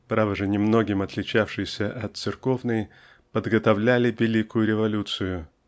право же немногим отличавшейся от церковной подготовляли великую революцию